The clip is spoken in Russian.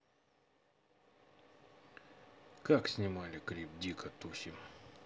как снимали клип дико тусим